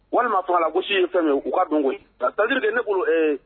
Walima fɔra la gosisi ye fɛn min k'u ka mun ka taadi de ne' ee